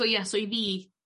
So ia so i fi